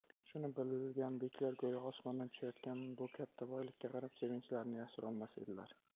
shuni bilgan beklar go'yo osmondan tushayotgan bu katta boylikka qarab sevinchlarini yashirolmas edilar